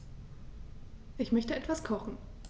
Ich möchte etwas kochen.